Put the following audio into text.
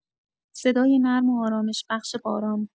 صدای نرم و آرامش‌بخش باران